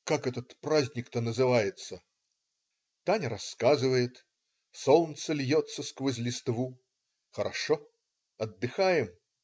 Как этот праздник-то называется?" Таня рассказывает. Солнце льется сквозь листву. Хорошо. Отдыхаем.